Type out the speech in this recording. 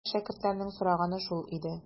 Менә шәкертләрнең сораганы шул иде.